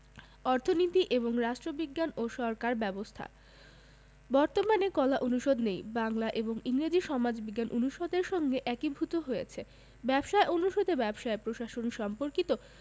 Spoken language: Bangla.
অর্থনীতি এবং রাষ্ট্রবিজ্ঞান ও সরকার ব্যবস্থা বর্তমানে কলা অনুষদ নেই বাংলা এবং ইংরেজি সমাজবিজ্ঞান অনুষদের সঙ্গে একীভূত হয়েছে ব্যবসায় অনুষদে ব্যবসায় প্রশাসন সম্পর্কিত